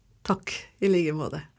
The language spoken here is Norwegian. takk i like måte.